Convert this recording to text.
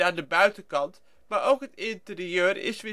de buitenkant, maar ook het interieur is